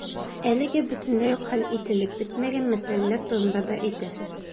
Әлегә бөтенләй үк хәл ителеп бетмәгән мәсьәләләр турында да әйтәсез.